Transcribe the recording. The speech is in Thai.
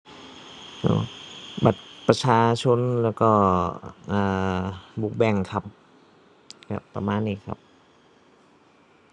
เอา บัตรประชาชนแล้วก็ เอ่อ book bank ครับ ก็ประมาณนี้ครับ